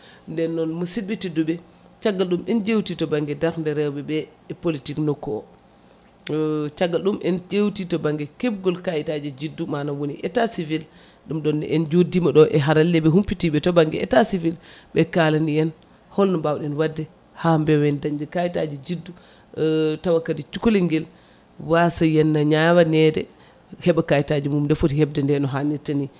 nden noon musidɓe tedduɓe caggal ɗum en jewti to banggue darde rewɓeɓe e politique nokku o caggal ɗum en jewti to banggue kebgol kayitaji juddu manam woni état civil ɗum ɗonne en joddima ɗo e haralleɓe humpitiɓe to banggue état civil ɓe kalani en holno mbawɗen wadde ha mbawen dañde kayitaji juddu tawa kadi cukolel guel wasa henna ñawanede heeɓa kayitaji nde foti hebde nde no hannirta ni